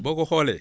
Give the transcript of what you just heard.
boo ko xoolee